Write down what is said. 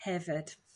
hefyd.